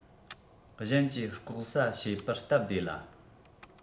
གཞན གྱིས ལྐོག ཟ བྱེད པར སྟབས བདེ ལ